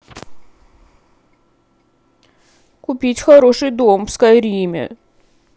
купить хороший дом в скайриме